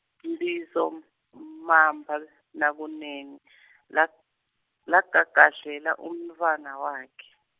Mbizo Mamba naKunene , la- lagagadlele umntfwana wakhe.